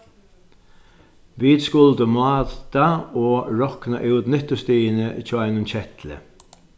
vit skuldu máta og rokna út nyttustigini hjá einum ketli